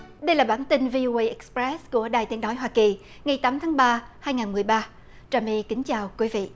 đây là bản tin vi ô guây ích pờ rét của đài tiếng nói hoa kỳ ngày tám tháng ba hai ngàn mười ba trà my kính chào quý vị